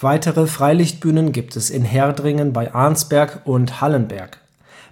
Weitere Freilichtbühnen gibt es in Herdringen bei Arnsberg und Hallenberg.